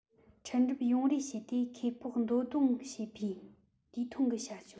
འཕྲལ འགྲུབ ཡོང རེ བྱས ཏེ ཁེ སྤོགས འདོད གདུང བྱས པའི དུས ཐུང གི བྱ སྤྱོད